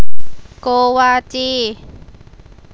โกวาจี